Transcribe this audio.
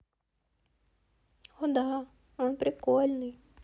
о да он прикольный